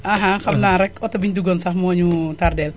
xam naa rekk oto bi ñu duggoon moo ñu tardé